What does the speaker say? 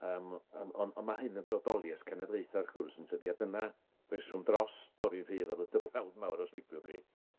Yym on' on' on' ma' hyn yn bodoli ers cenedlaetha wrth gwrs yntydi, a dyna reswm dros dorri rhydd mawr os liciwch chi.